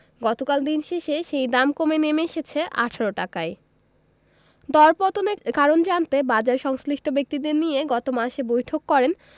গতকাল দিন শেষে সেই দাম কমে নেমে এসেছে ১৮ টাকায় দরপতনের কারণ জানতে বাজারসংশ্লিষ্ট ব্যক্তিদের নিয়ে গত মাসে বৈঠক করেন